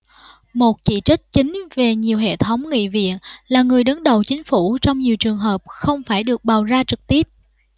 một chỉ trích chính về nhiều hệ thống nghị viện là người đứng đầu chính phủ trong nhiều trường hợp không phải được bầu ra trực tiếp